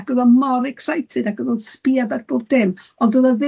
ac o'dd o mor eceited, ac o'dd o'n sbiad ar bob dim, ond